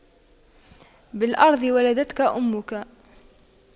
بالأرض ولدتك أمك